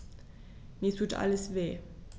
Mir tut alles weh.